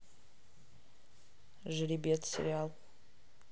жеребец сериал